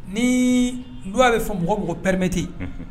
Ni dun'a bɛ fɔ mɔgɔ mɔgɔ pɛremeti